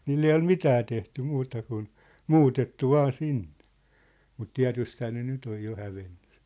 niille ei ole mitään tehty muuta kuin muutettu vain sinne mutta tietystihän ne nyt on jo hävinnyt sitten